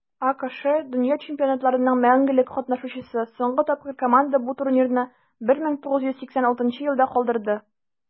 АКШ - дөнья чемпионатларының мәңгелек катнашучысы; соңгы тапкыр команда бу турнирны 1986 елда калдырды.